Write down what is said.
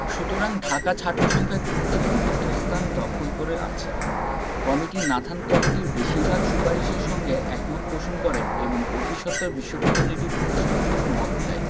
সুতরাং ঢাকা ছাত্রসংখ্যার দিক থেকে মধ্যস্থান দখল করে আছে কমিশন নাথান কমিটির বেশির ভাগ সুপারিশের সঙ্গে একমত পোষণ করে এবং অতিসত্বর বিশ্ববিদ্যালয়টি প্রতিষ্ঠার জন্য মত দেয়